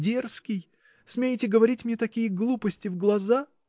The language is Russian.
— Дерзкий — смеете говорить мне такие глупости в глаза.